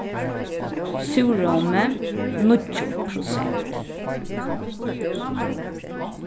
súrrómi níggju prosent